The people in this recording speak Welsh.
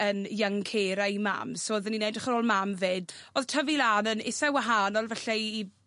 yn young carer i mam so odden ni'n edrych ar ôl mam 'fyd. Odd tyfu lan yn itha wahanol falle i